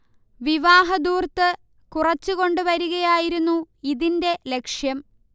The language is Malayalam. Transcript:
വിവാഹധൂർത്ത് കുറച്ച് കൊണ്ടു വരികയായിരുന്നു ഇതിന്റെ ലക്ഷ്യം